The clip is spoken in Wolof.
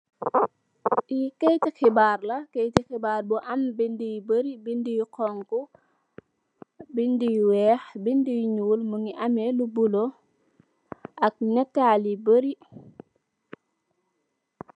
Li ketti xibaar la ketti xbaar bindi yu bari bindi xongo bindi yu weex bindi nuul mogi amme lu bulu ak natal yu barri.